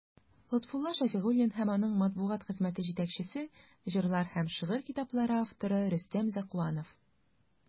Лотфулла Шәфигуллин һәм аның матбугат хезмәте җитәкчесе, җырлар һәм шигырь китаплары авторы Рөстәм Зәкуанов.